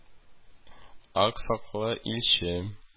Ак сакаллы илче (илчедәнсандыкны ала да, Мөстәкыймгә суза)